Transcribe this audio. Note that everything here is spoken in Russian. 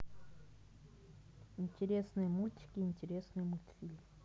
интересные мультики интересные мультфильмы